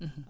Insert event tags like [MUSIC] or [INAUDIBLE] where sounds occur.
[HESITATION] [HESITATION]